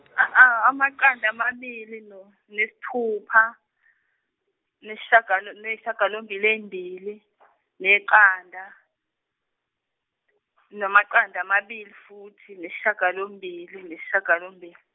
a- amaqanda amabili no nesithupha, neshaga- n- neshagalombili eyimbili neqanda, namaqanda amabili futhi neshagalombili neshagalombil-.